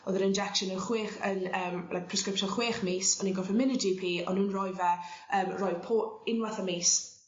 o'dd yr injection yn chwech yn yym like prescription chwech mis o'n i'n gorffod myn' i'r Gee Pee o'n nw'n roi fe yym roi po- unwath y mis